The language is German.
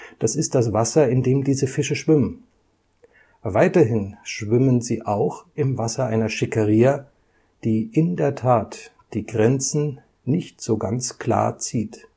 Das ist das Wasser, in dem diese Fische schwimmen. Weiterhin schwimmen sie auch im Wasser einer Schickeria, die in der Tat die Grenzen nicht so ganz klar zieht